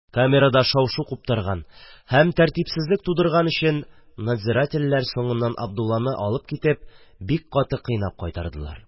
Камерада шау-шу куптарган һәм тәртипсезлек тудырган өчен надзирательләр соңыннан Абдулланы алып китеп бик каты кыйнап кайтардылар.